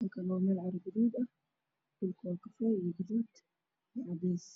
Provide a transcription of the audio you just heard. Halkaan waa meel cato gaduud ah dhilka waa kafay iyo gaduud iyo cadays.